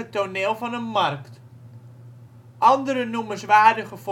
toneel van een markt. Andere noemenswaardige